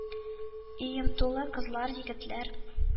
Өем тулы кызлар, егетләр,